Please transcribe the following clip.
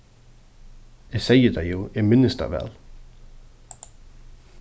eg segði tað jú eg minnist tað væl